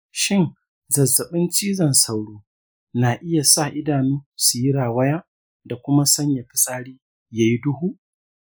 shin zazzaɓin cizon sauro na iya sa idanu su yi rawaya da kuma sanya fitsari ya yi duhu?